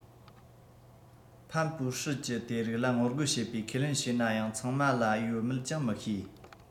ཕམ པུའུ ཧྲི ཀྱི དེ རིགས ལ ངོ རྒོལ བྱེད པའི ཁས ལེན བྱས ན ཡང ཚང མ ལ ཡོད མེད ཀྱང མི ཤེས